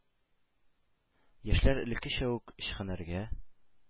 Яшьләр элеккечә үк өч һөнәргә